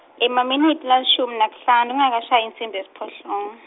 Emaminitsi lalishumi nesihlanu kungakashayi insimbi yesiphohlongo.